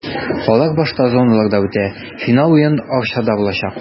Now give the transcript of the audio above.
Алар башта зоналарда үтә, финал уен Арчада булачак.